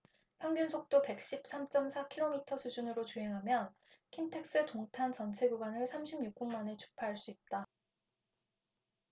평균속도 백 십 삼 쩜 사 키로미터 수준으로 주행하면 킨텍스 동탄 전체 구간을 삼십 육 분 만에 주파할 수 있다